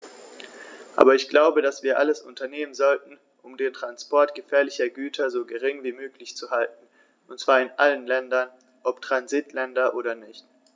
Aber ich glaube, dass wir alles unternehmen sollten, um den Transport gefährlicher Güter so gering wie möglich zu halten, und zwar in allen Ländern, ob Transitländer oder nicht.